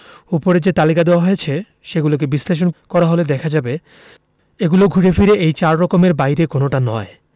ওপরে যে তালিকা দেওয়া হয়েছে সেগুলোকে বিশ্লেষণ করা হলে দেখা যাবে এগুলো ঘুরে ফিরে এই চার রকমের বাইরে কোনোটা নয়